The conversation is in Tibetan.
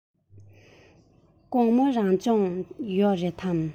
དགོང མོ རང སྦྱོང ཡོད རེད པས